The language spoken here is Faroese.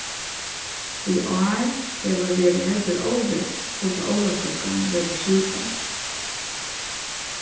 í ár hevur verið heldur óvist hvussu ólavsøkan verður skipað